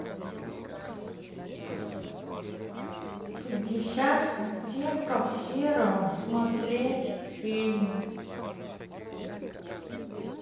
пятьдесят оттенков серого смотреть фильм